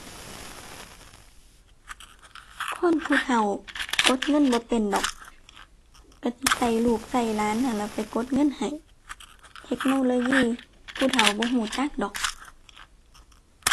คนผู้เฒ่ากดเงินบ่เป็นดอก ก็สิก็ลูกก็หลานนั่นล่ะไปกดเงินให้ เทคโนโลยีผู้เฒ่าบ่ก็จักดอก